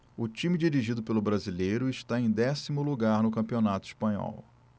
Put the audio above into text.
o time dirigido pelo brasileiro está em décimo lugar no campeonato espanhol